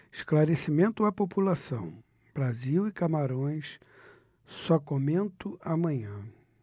esclarecimento à população brasil e camarões só comento amanhã